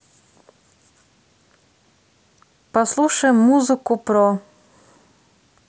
послушаем музыку про